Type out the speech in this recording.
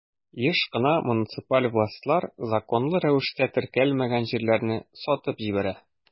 Еш кына муниципаль властьлар законлы рәвештә теркәлмәгән җирләрне сатып җибәрә.